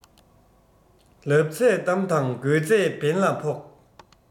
ལབ ཚད གཏམ དང དགོས ཚད འབེན ལ ཕོག